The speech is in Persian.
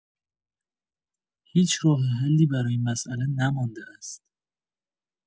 هیچ راه حلی برای این مسئله نمانده است.